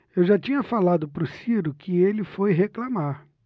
eu já tinha falado pro ciro que ele foi reclamar